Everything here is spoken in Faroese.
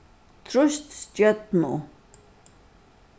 trýst stjørnu